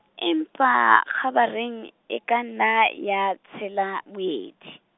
empa kgabareng, e ka nna ya, tshela moedi.